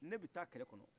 ne bɛ taa kɛlɛ kɔnɔ